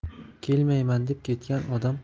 kelmayman deb ketgan odam